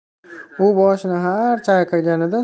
u boshini har chayqaganda